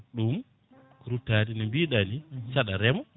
ɗum ɗum ruttade no mbiɗani saɗa reema